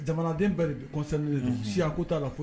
Jamanaden bɛɛ de b concerné len don unhun siya ko t'a la f